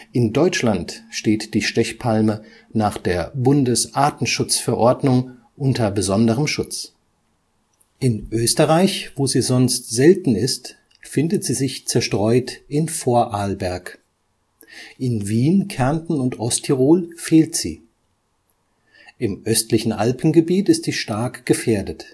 In Deutschland steht die Stechpalme nach der Bundesartenschutzverordnung unter besonderem Schutz. In Österreich, wo sie sonst selten ist, finden sie sich zerstreut in Vorarlberg; in Wien, Kärnten und Osttirol fehlt sie. Im östlichen Alpengebiet ist sie stark gefährdet